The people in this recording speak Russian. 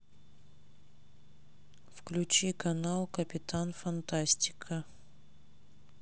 включи канал капитан фантастика